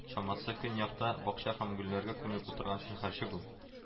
Чамасы көньякта, бакча һәм гөлләргә күмелеп утырган шәһәрчек ул